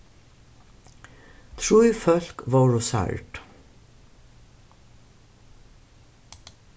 trý fólk vórðu særd